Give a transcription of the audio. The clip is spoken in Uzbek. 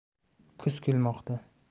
kuz kelmoqda